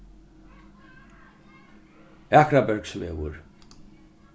akrabergsvegur